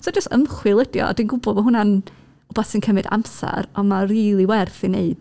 So jyst ymchwil ydy o a dwi'n gwbod bo' hwnna'n wbath sy'n cymryd amser ond mae o rili werth ei wneud...